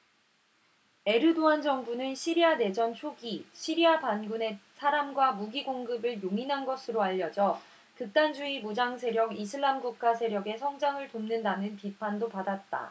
에르도안 정부는 시리아 내전 초기 시리아 반군에 사람과 무기 공급을 용인한 것으로 알려져 극단주의 무장세력 이슬람국가 세력의 성장을 돕는다는 비판도 받았다